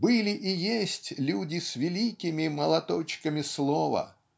Были и есть люди с великими молоточками слова